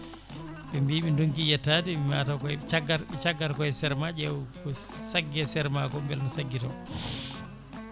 ɓe mbi ɓe donki yettade mataw koye caggata koye saara ma ƴeew ko saggue saarama ko beela ne sagguito